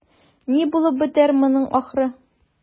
Ни булып бетәр моның ахыры?